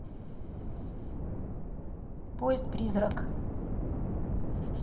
поезд призрак